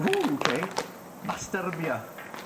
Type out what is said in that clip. Hw! 'K. Mastyrbio.